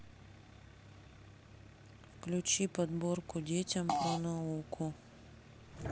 включи подборку детям про науку